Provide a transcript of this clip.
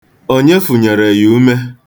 Onye fụnyere ya ume?